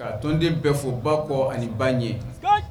Tɔnden bɛɛ fo ba kɔ ani ba n ye